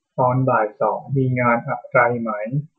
ตอนบ่ายสองมีงานอะไรไหม